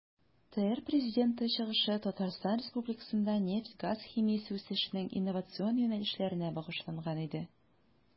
ТР Президенты чыгышы Татарстан Республикасында нефть-газ химиясе үсешенең инновацион юнәлешләренә багышланган иде.